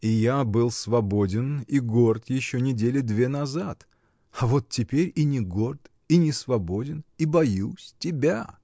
— И я был свободен и горд еще недели две назад, — а вот теперь и не горд, и не свободен, и боюсь — тебя!